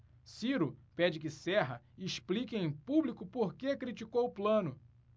ciro pede que serra explique em público por que criticou plano